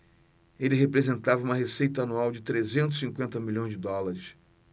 ele representava uma receita anual de trezentos e cinquenta milhões de dólares